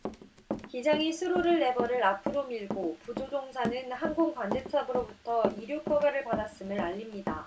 기장이 스로틀 레버를 앞으로 밀고 부조종사는 항공 관제탑으로부터 이륙 허가를 받았음을 알립니다